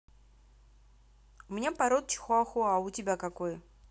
у меня порода чихуахуа у тебя какого